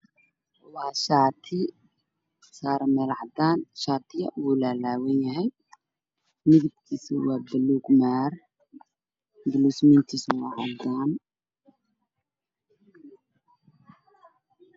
Waa shaarti shaarti mee cadaan ah shaati uu laalaban yahay midabkiisu waa buluug maar